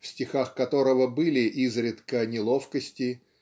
в стихах которого были изредка неловкости